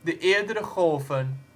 de eerdere golven